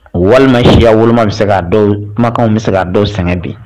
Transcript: Walima sika walima bɛ se ka dɔw kumakanw bɛ se ka dɔw sɛgɛn bi